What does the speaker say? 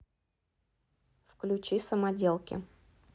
включи самоделки